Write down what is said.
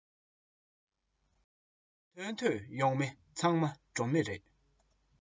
དོན དུ ཡོང མི ཚང མ འགྲོ མི རེད